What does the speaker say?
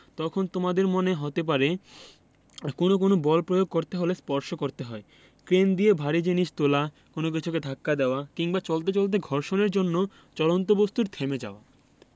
তখন তোমাদের মনে হতে পারে কোনো কোনো বল প্রয়োগ করতে হলে স্পর্শ করতে হয় ক্রেন দিয়ে ভারী জিনিস তোলা কোনো কিছুকে ধাক্কা দেওয়া কিংবা চলতে চলতে ঘর্ষণের জন্য চলন্ত বস্তুর থেমে যাওয়া